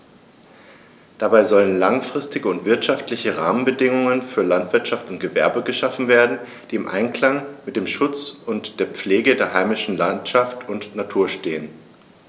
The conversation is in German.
Dabei sollen langfristige und wirtschaftliche Rahmenbedingungen für Landwirtschaft und Gewerbe geschaffen werden, die im Einklang mit dem Schutz und der Pflege der heimischen Landschaft und Natur stehen.